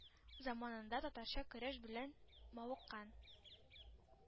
Заманында татарча көрәш белән мавыккан